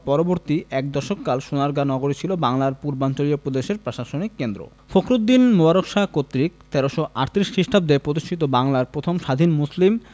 পরবর্তী এক দশক কাল সোনারগাঁও নগরী ছিল বাংলার পূর্বাঞ্চলীয় প্রদেশের প্রশাসনিক কেন্দ্র ফখরুদ্দীন মুবারক শাহ কর্তৃক ১৩৩৮ খ্রিস্টাব্দে প্রতিষ্ঠিত বাংলার প্রথম স্বাধীন মুসলিম